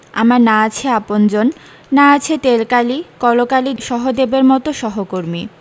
আমার না আছে আপনজন না আছে তেলকালি কলকালি সহদেবের মতো সহকর্মী